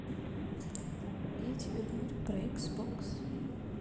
я тебе говорю про икс бокс